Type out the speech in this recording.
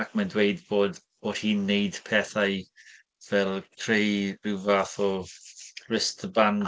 Ac mae'n dweud bod oedd hi'n wneud pethau fel creu ryw fath o wristband.